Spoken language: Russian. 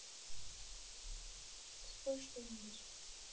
спой что нибудь